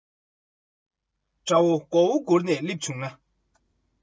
སྙིང གི ཁོང ཁྲོ སེམས ཀྱི གཏིང ནས ཐོན